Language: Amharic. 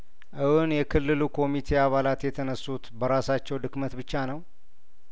እውን የክልሉ ኮሚቴ አባላት የተነሱት በራሳቸው ድክመት ብቻ ነው